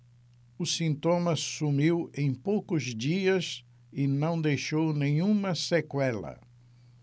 o sintoma sumiu em poucos dias e não deixou nenhuma sequela